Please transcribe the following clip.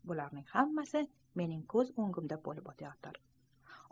bularning hammasi mening ko'z o'ngimda bo'lib o'tayotir